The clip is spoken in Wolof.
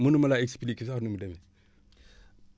mënumalaa expliqué sax nu mu demee